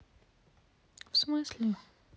в смысле